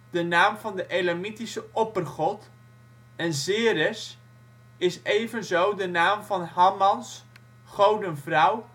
de naam van de Elamitische oppergod, en " Zeres " is evenzo de naam van Hammans goden-vrouw